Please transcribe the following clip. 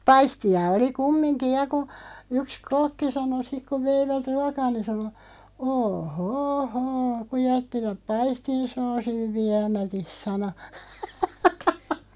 paistia oli kumminkin ja kun yksi kokki sanoi sitten kun veivät ruokaa niin sanoi oo hoo hoo kun jättivät paistin soosin viemättä sanoi